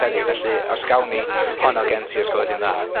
heddiw, felly, os gawn ni honno gen ti, os gweli di'n dda?